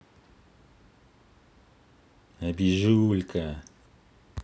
обижулька